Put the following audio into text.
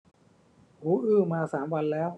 หูอื้อมาสามวันแล้ว